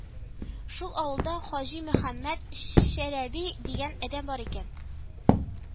Шул авылда Хаҗи Мөхәммәд Чәләби дигән адәм бар икән